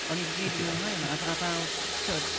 O'n i 'di ...Cytuno ...rili mwynhau hwnna. A fe- a fel timod...